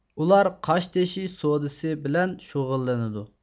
ئۇلار قاشتېتىشى سودىسى بىلەن شۇغۇللىنىدۇ